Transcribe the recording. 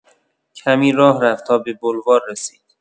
کمی راه رفت تا به بلوار رسید.